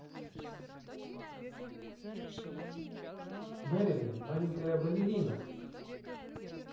marilyn маленькая балерина